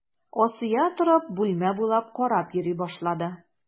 Асия торып, бүлмә буйлап карап йөри башлады.